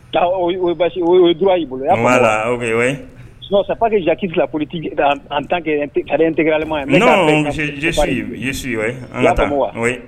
droit y'i bolo. Voila, ok oui . Sinon, c'est pas que je quitte la politique en tant que intégralement hɛn. je suis, je suis, oui an ka taa. En tant que buwa.